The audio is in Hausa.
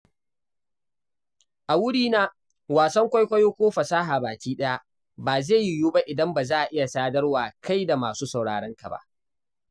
A wurina, wasan kwaikwayo ko fasaha baki ɗaya ba zai yiwu ba idan ba za ka iya sadarwa kai da masu sauraranka ba.